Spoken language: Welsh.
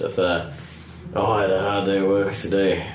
Fatha, Oh I had a hard day at work today.